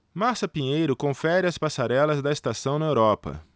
márcia pinheiro confere as passarelas da estação na europa